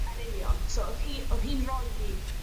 Yn union so o'dd hi o'dd hi'n roi fi